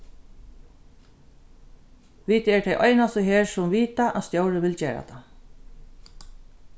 vit eru tey einastu her sum vita at stjórin vil gera tað